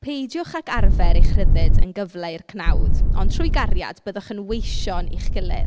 Peidiwch ag arfer eich rhyddid yn gyfle i'r cnawd, ond trwy gariad byddwch yn weision i'ch gilydd.